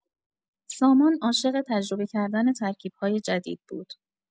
سامان عاشق تجربه کردن ترکیب‌های جدید بود.